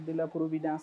De la providence